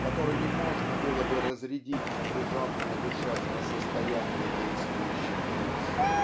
которыми можно было бы разрядить напряженное душевное состояние действующих лиц